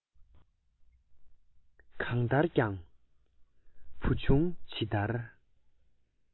གང ལྟར ཀྱང བུ ཆུང ཇི ལྟར